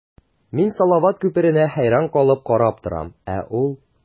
Мин салават күперенә хәйраннар калып карап торам, ә ул...